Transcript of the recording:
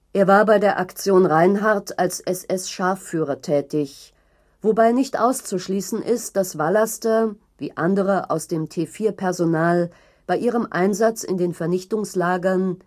Er war bei der „ Aktion Reinhardt “als SS-Scharführer tätig, wobei nicht auszuschließen ist, dass Vallaster wie andere aus dem T4-Personal bei ihrem Einsatz in den Vernichtungslagern